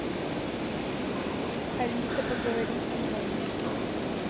алиса поговори со мной